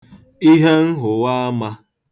ihe nhụ̀waamā